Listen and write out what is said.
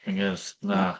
Cyngerdd? Na.